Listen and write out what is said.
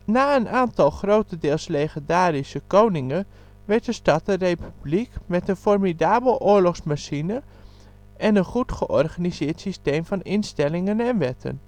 Na een aantal (grotendeels legendarische) koningen werd de stad een republiek met een formidabele oorlogsmachine en een goedgeorganiseerd systeem van instellingen en wetten